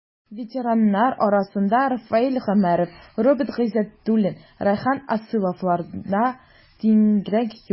Ветераннар арасында Рафаэль Гомәров, Роберт Гыйздәтуллин, Рәйхан Асыловларга тиңнәр юк иде.